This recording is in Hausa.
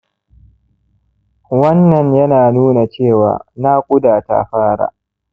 wannan ya na nuna cewa naƙuda ta fara